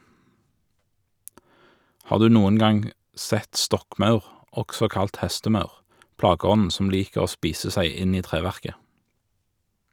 Har du noen gang sett stokkmaur, også kalt hestemaur, plageånden som liker å spise seg inn i treverket?